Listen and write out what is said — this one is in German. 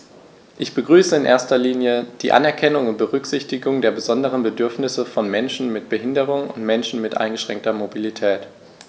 Ich begrüße in erster Linie die Anerkennung und Berücksichtigung der besonderen Bedürfnisse von Menschen mit Behinderung und Menschen mit eingeschränkter Mobilität.